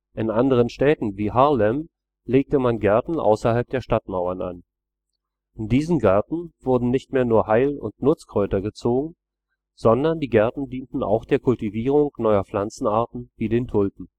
In anderen Städten wie in Haarlem legte man Gärten außerhalb der Stadtmauern an. In diesen Gärten wurden nicht mehr nur Heil - und Nutzkräuter gezogen, sondern die Gärten dienten auch der Kultivierung neuer Pflanzenarten wie den Tulpen